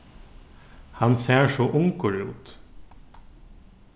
hann sær so ungur út